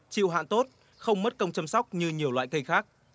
chịu hạn tốt không mất công chăm sóc như nhiều loại cây khác